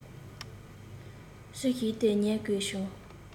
ཟུར ཞིག ཏུ ཉལ དགོས བྱུང